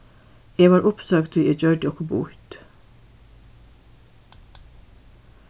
eg varð uppsøgd tí eg gjørdi okkurt býtt